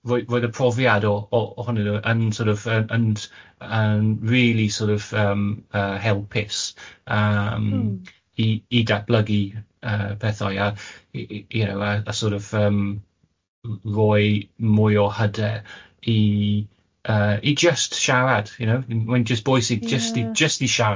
roi roedd y profiad o ohonyn nhw yn sort of yn yn yn rili sort of yym yy helpus, yym... Mm. ...i i datblygu yy pethau a you know a sort of yym roi mwy o hyder i yy i jyst siarad, you know, mae'n jyst bwysig... Ie. ...jyst i jyst i siarad, you know.